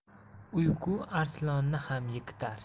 uyqu arslonni ham yiqitar